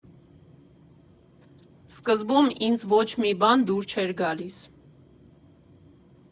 Սկզբում ինձ ոչ մի բան դուր չէր գալիս։